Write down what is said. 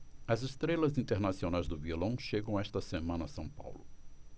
as estrelas internacionais do violão chegam esta semana a são paulo